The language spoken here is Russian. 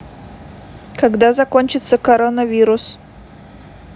когда закончится коронавирус